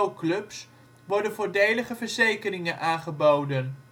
2CV-clubs worden voordelige verzekeringen aangeboden